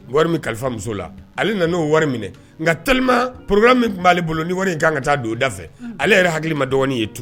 Wari min kalifa muso la ale nan'o wari minɛ nka tellement programme min tun b'ale bolo ni wari in kan ka taa don o dafɛ, un, ale yɛrɛ hakili ma dɔgɔnin ye tun